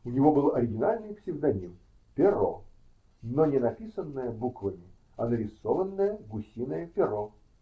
У него был оригинальный псевдоним -- Перо, но не написанное буквами, а нарисованное гусиное перо.